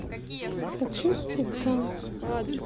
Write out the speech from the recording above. очистить дом